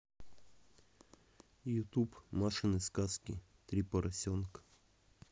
ютуб машины сказки три поросенка